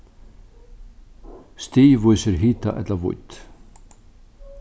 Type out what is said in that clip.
stig vísir hita ella vídd